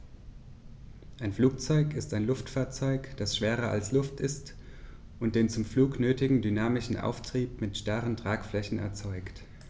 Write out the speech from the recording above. Ein Flugzeug ist ein Luftfahrzeug, das schwerer als Luft ist und den zum Flug nötigen dynamischen Auftrieb mit starren Tragflächen erzeugt.